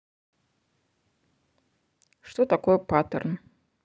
что такое паттерн